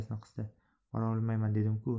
borolmayman dedim ku